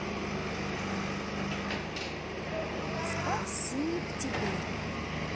спасиботеперь